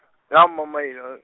gaMamaila .